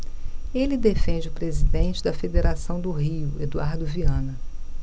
ele defende o presidente da federação do rio eduardo viana